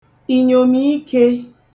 inyomiike